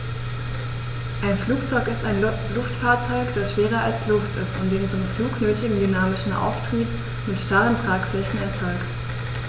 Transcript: Ein Flugzeug ist ein Luftfahrzeug, das schwerer als Luft ist und den zum Flug nötigen dynamischen Auftrieb mit starren Tragflächen erzeugt.